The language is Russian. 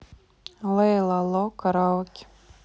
лейла ло караоке